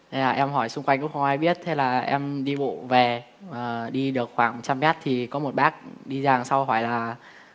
thế là em hỏi xung quanh cũng không ai biết thế là em đi bộ về và đi được khoảng trăm mét thì có một bác đi ra đằng sau hỏi là